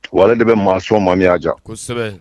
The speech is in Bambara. Wa ale de bɛ maa sɔn maa min ya diya kosɛbɛ